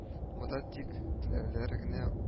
Монда тик тләләр генә